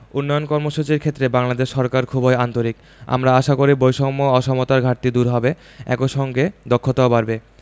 উন্নয়ন কর্মসূচির ক্ষেত্রে বাংলাদেশ সরকার খুবই আন্তরিক আমরা আশা করি বৈষম্য অসমতার ঘাটতি দূর হবে একই সঙ্গে দক্ষতাও বাড়বে